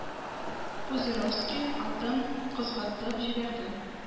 Пузыревский атын кузгатып җибәрде